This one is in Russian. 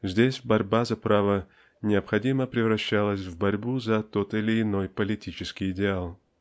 Здесь борьба за право необходимо превращалась в борьбу за тот или иной политический идеал.